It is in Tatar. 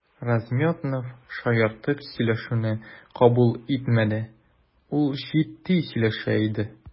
Размётнов шаяртып сөйләшүне кабул итмәде, ул җитди сөйләшә иде.